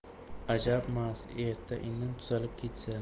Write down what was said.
ajabmas erta indin tuzalib ketsa